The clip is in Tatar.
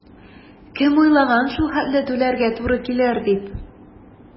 Кем уйлаган шул хәтле түләргә туры килер дип?